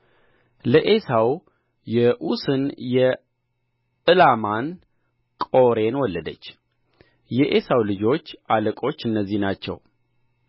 ለዔሳውም የዑስን የዕላማን ቆሬን ወለደች የዔሳው ልጆች አለቆች እነዚህ ናቸው